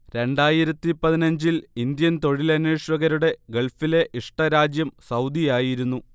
രണ്ടായിരത്തി പതിനഞ്ച് ൽ ഇന്ത്യൻ തൊഴിലന്വേഷകരുടെ ഗൾഫിലെ ഇഷ്ട രാജ്യം സൗദിയായിരുന്നു